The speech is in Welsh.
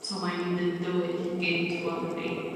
t'o' mae'n mynd yn dywyll yn gynt rŵan dydi?